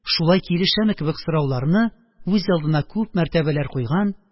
Шулай килешәме?» кебек сорауларны үз алдына күп мәртәбәләр куйган,